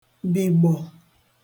-bì-gbọ̀